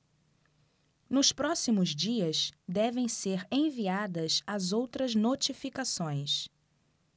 nos próximos dias devem ser enviadas as outras notificações